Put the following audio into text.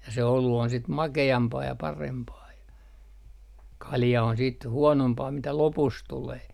ja se olut on sitten makeampaa ja parempaa ja kalja on sitten huonompaa mitä lopussa tulee